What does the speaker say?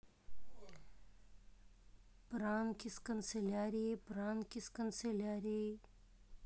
пранки с канцелярией пранки с канцелярией